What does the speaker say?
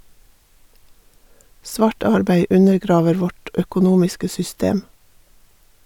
Svart arbeid undergraver vårt økonomiske system.